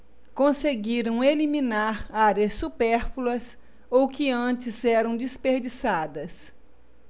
conseguiram eliminar áreas supérfluas ou que antes eram desperdiçadas